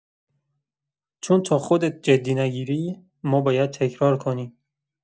چون تا خودت جدی نگیری، ما باید تکرار کنیم.